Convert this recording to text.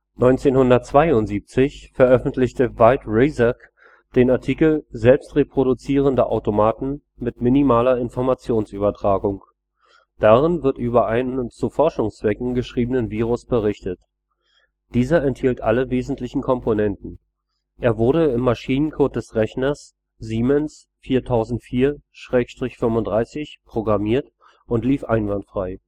1972 veröffentlichte Veith Risak den Artikel Selbstreproduzierende Automaten mit minimaler Informationsübertragung. Darin wird über einen zu Forschungszwecken geschriebenen Virus berichtet. Dieser enthielt alle wesentlichen Komponenten. Er wurde im Maschinencode des Rechners SIEMENS 4004/35 programmiert und lief einwandfrei